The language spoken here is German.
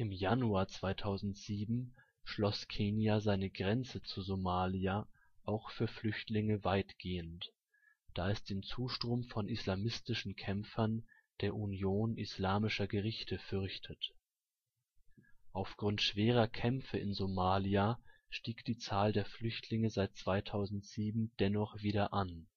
Januar 2007 schloss Kenia seine Grenze zu Somalia auch für Flüchtlinge weitgehend, da es den Zustrom von islamistischen Kämpfern der Union islamischer Gerichte fürchtet. Aufgrund schwerer Kämpfe in Somalia stieg die Zahl der Flüchtlinge seit 2007 dennoch wieder an